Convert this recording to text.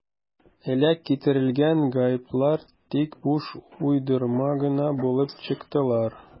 Элек китерелгән «гаепләр» тик буш уйдырма гына булып чыктылар.